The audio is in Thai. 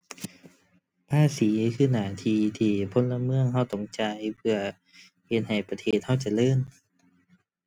ภาษีคือหน้าที่ที่พลเมืองเราต้องจ่าย เพื่อเฮ็ดให้ประเทศเราเจริญ